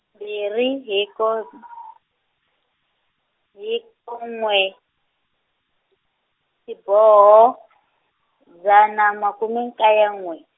mbirhi hiko, hiko n'we , xiboho, dzana makume nkaye n'we.